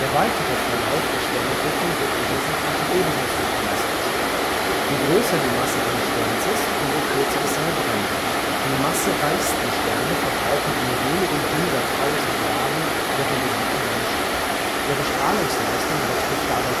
weitere Verlauf der Sternentwicklung wird im Wesentlichen durch die Masse bestimmt. Je größer die Masse eines Sternes ist, umso kürzer ist seine Brenndauer. Die massereichsten Sterne verbrauchen in nur wenigen hunderttausend Jahren ihren gesamten Brennstoff. Ihre Strahlungsleistung übertrifft dabei